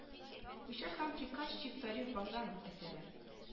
Хуща һәм приказчик тариф богданов әсәре